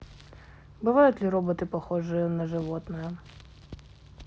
бывает ли роботы похожие на животное